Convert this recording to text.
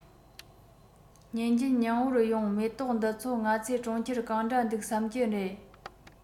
ཉིན རྒྱུན སྙིང པོར ཡོང མེ ཏོག འདི ཚོ ང ཚོས གྲོང ཁྱེར གང འདྲ འདུག བསམ གྱིན རེད